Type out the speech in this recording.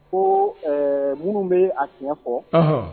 Ko ɛ minnu bɛ a tiɲɛ fɔ, ɔhɔ